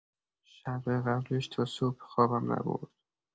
شب قبلش تا صبح خوابم نبرد.